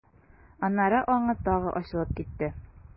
Аннары аңы тагы ачылып китте.